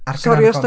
Ar Gaernarfon.